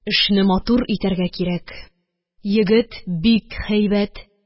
– эшне матур итәргә кирәк, егет бик һәйбәт.